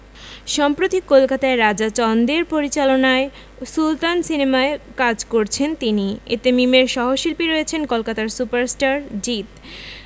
সম্প্রতি কলকাতায় রাজা চন্দের পরিচালনায় সুলতান সিনেমার কাজ করেছেন তিনি এতে মিমের সহশিল্পী রয়েছেন কলকাতার সুপারস্টার জিৎ